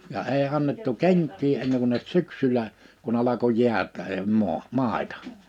ja ei annettu kenkiä ennen kuin syksyllä kun alkoi jäätää maa maita